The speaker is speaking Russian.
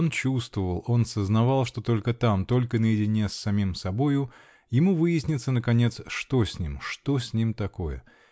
Он чувствовал, он сознавал, что только там, только наедине с самим собою, ему выяснится наконец, что с ним, что с ним такое?